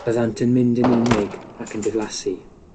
Byddant yn mynd yn unig ac yn diflasu.